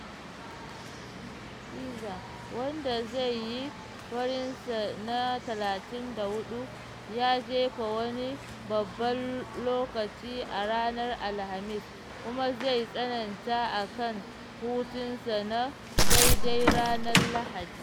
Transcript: Scherzer, wanda zai yi farinsa na 34, ya jefa wani babban lokaci a ranar Alhamis kuma zai tsananta a kan hutunsa na daidai ranar Lahadi.